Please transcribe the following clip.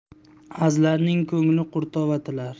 azlarning ko'ngli qurtova tilar